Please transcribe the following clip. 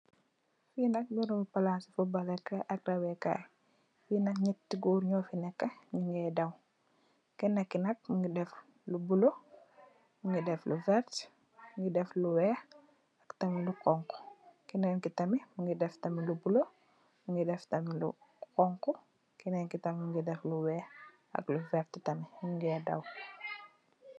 Fi nak parebi palace footbaley kei ak dawei kei fi negti goor nu fi neyka nu nei dawei geinekinak daf lu blue mu nei daf werty mu daf lu weex ak tamit jorko geineki mu daf lu blue mu nei daf lu jorko geineki mu nei daf lu weex ak lu werty nu nei dawei